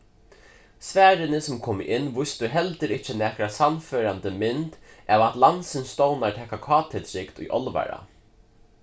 svarini sum komu inn vístu heldur ikki nakra sannførandi mynd av at landsins stovnar taka kt-trygd í álvara